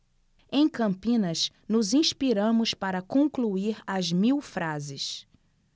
em campinas nos inspiramos para concluir as mil frases